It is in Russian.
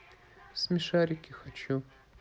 смешарики хочу